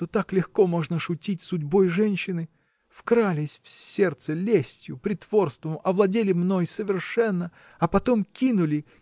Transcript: что так легко можно шутить судьбой женщины? Вкрались в сердце лестью притворством овладели мной совершенно а потом кинули